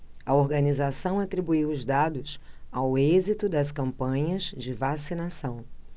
a organização atribuiu os dados ao êxito das campanhas de vacinação